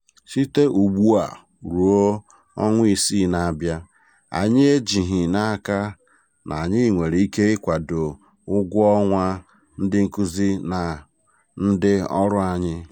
Site ugbu a ruo ọnwa isii na-abịa, anyị ejighị n'aka na anyị nwere ike ịkwado ụgwọ ọnwa ndị nkuzi na ndị ọrụ anyị.